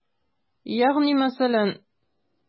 Ягъни мәсәлән?